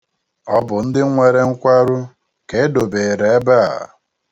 Ọ bụ ndị nwere nkwarụ ka e dobeere ebe a.